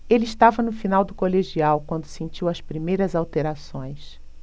ele estava no final do colegial quando sentiu as primeiras alterações